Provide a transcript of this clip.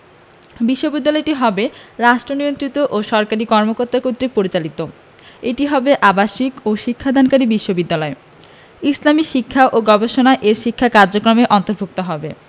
বিশ্ববিদ্যালয়টি হবে রাষ্ট্রনিয়ন্ত্রিত ও সরকারি কর্মকর্তা কর্তৃক পরিচালিত এটি হবে আবাসিক ও শিক্ষাদানকারী বিশ্ববিদ্যালয় ইসলামী শিক্ষা ও গবেষণা এর শিক্ষা কার্যক্রমের অন্তর্ভুক্ত হবে